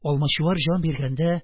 Алмачуар җан биргәндә,